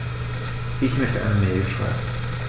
Ich möchte eine Mail schreiben.